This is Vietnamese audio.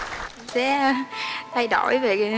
sẽ thay đổi về